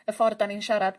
y ffor 'dan ni'n siarad.